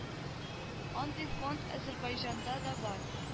Андый фонд азәрбайҗанда да бар